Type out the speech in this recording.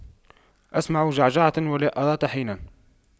أسمع جعجعة ولا أرى طحنا